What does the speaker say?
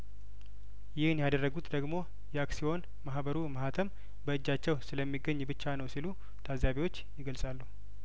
ይህን ያደረጉት ደግሞ የአክሲዮን ማህበሩ ማህተም በእጃቸው ስለሚ ገኝ ብቻ ነው ሲሉ ታዛቢዎች ይገልጻሉ